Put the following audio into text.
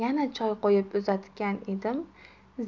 yana choy quyib uzatgan edim